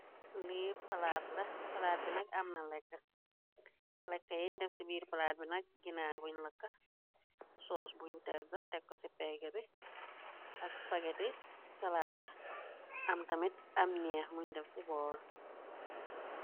Lii palaat la , palaat bi nak amna lekka , lekka yeñ def ci biir palaat bi nak ginaar buñ lakka, soos buñ tëgga tekko ci pegg bi , ak pageti , salaat am tamit am ñeex muñ def ci boor.